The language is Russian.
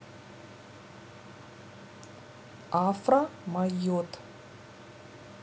afro mayot